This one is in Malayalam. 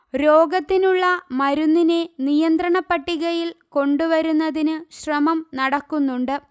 രോഗത്തിനുള്ള മരുന്നിനെ നിയന്ത്രണ പട്ടികയിൽ കൊണ്ടുവരുന്നതിന് ശ്രമം നടക്കുന്നുണ്ട്